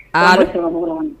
A se